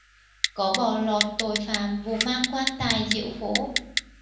có bỏ lọt tội phạm vụ mang quan tài diễu phố